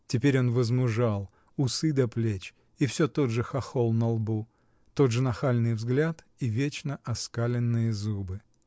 Теперь он возмужал: усы до плеч и всё тот же хохол на лбу, тот же нахальный взгляд и вечно оскаленные зубы!